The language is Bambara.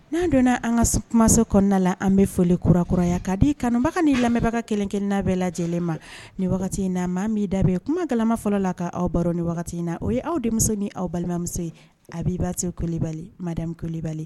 N'an donna an ka kumasen kɔnɔna la an bɛ foli kurakuraya ka di kanubaga ni lamɛnbaga kelenkelen labɛn bɛɛ lajɛlen ma ni wagati in na maa b'i da kuma galama fɔlɔ la ka aw baro ni wagati in na o ye aw denmuso ni aw balimamuso ye a b' ba ko bali ma bali